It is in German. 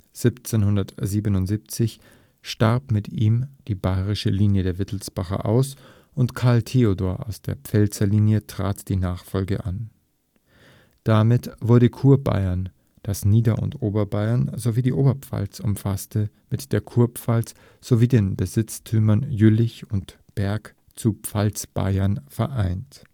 1777 starb mit ihm die bayerische Linie der Wittelsbacher aus und Karl Theodor aus der Pfälzer Linie trat die Nachfolge an. Damit wurde Kurbayern, das Nieder - und Oberbayern sowie die Oberpfalz umfasste, mit der Kurpfalz sowie den Besitztümern Jülich und Berg zu Pfalzbaiern vereint